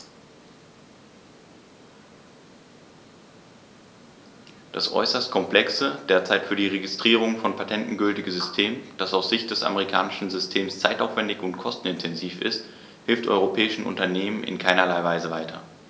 Das äußerst komplexe, derzeit für die Registrierung von Patenten gültige System, das aus Sicht des amerikanischen Systems zeitaufwändig und kostenintensiv ist, hilft europäischen Unternehmern in keinerlei Weise weiter.